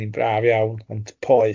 Odd hi'n braf iawn ond poeth.